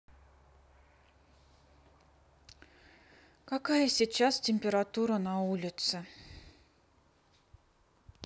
какая сейчас температура на улице